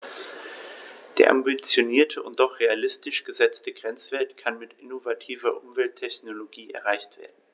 Der ambitionierte und doch realistisch gesetzte Grenzwert kann mit innovativer Umwelttechnologie erreicht werden.